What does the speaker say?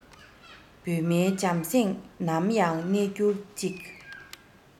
བོད མིའི བྱང སེམས ནམ ཡང གནས འགྱུར ཅིག